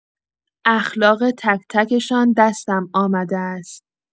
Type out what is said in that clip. اخلاق تک‌تکشان دستم آمده است.